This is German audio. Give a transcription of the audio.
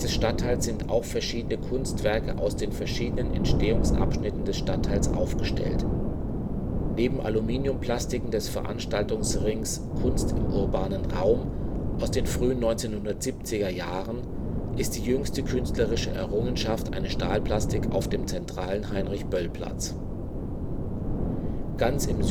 Stadtteils sind auch verschiedene Kunstwerke aus den verschiedenen Entstehungsabschnitten des Stadtteils aufgestellt. Neben Aluminium-Plastiken des Veranstaltungsrings „ Kunst im Urbanen Raum “aus den frühen 1970er Jahren ist die jüngste künstlerische Errungenschaft eine Stahlplastik auf dem zentralen Heinrich-Böll-Platz. Ganz im